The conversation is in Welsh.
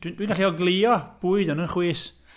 Dwi'n dwi'n gallu ogleuo bwyd yn fy chwys.